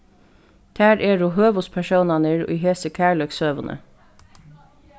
tær eru høvuðspersónarnir í hesi kærleikssøguni